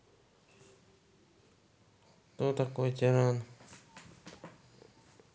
кто такой тиран